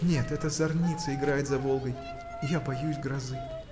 Нет, это зарница играет за Волгой: я боюсь грозы.